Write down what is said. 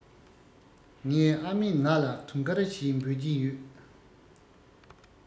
ངའི ཨ མས ང ལ དུང དཀར ཞེས འབོད ཀྱིན ཡོད